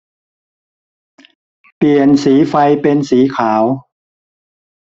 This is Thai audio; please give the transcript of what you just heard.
เปลี่ยนสีไฟเป็นสีขาว